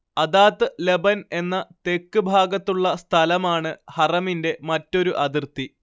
അദാത്ത് ലബൻ എന്ന തെക്ക് ഭാഗത്തുള്ള സ്ഥലമാണ് ഹറമിന്റെ മറ്റൊരു അതിർത്തി